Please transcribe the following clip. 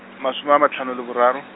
masome a matlhano le boraro.